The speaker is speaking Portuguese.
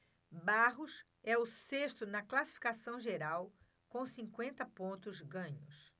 barros é o sexto na classificação geral com cinquenta pontos ganhos